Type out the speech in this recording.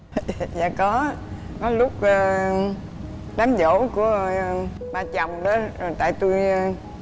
dạ có có lúc a đám giỗ của ba chồng đó tại tui ơ